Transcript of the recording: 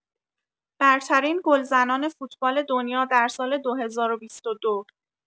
برترین گلزنان فوتبال دنیا در سال ۲۰۲۲